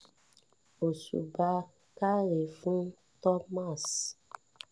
Òṣùbà káre fún Thomas.